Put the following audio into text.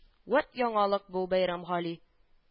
Вәт яңалык бу, Бәйрәмгали